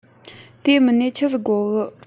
དེ མིན ནས ཆི ཟིག དགོ གི